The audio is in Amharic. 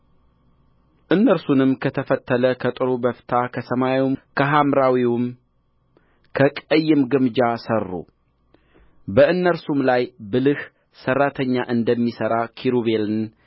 እነርሱንም ከተፈተለ ከጥሩ በፍታ ከሰማያዊም ከሐምራዊም ከቀይም ግምጃ ሠሩ በእነርሱም ላይ ብልህ ሠራተኛ እንደሚሠራ ኪሩቤልን